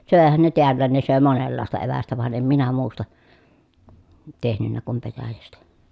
söihän ne täälläkin ne söi monenlaista evästä vaan en minä muusta tehnyt kuin petäjästä